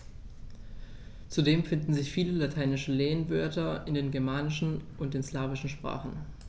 Zudem finden sich viele lateinische Lehnwörter in den germanischen und den slawischen Sprachen.